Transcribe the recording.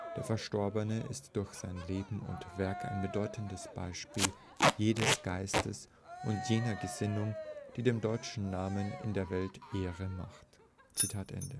Der Verstorbene ist durch sein Leben und Werk ein leuchtendes Beispiel jenes Geistes und jener Gesinnung, die dem deutschen Namen in der Welt Ehre macht. “Am